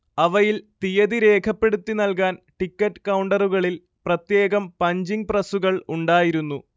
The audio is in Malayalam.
അവയിൽ തിയ്യതി രേഖപ്പെടുത്തി നൽകാൻ ടിക്കറ്റ് കൗണ്ടറുകളിൽ പ്രത്യേകം പഞ്ചിങ് പ്രസ്സുകൾ ഉണ്ടായിരുന്നു